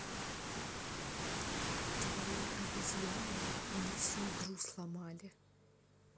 твои обезьяны мне всю игру сломали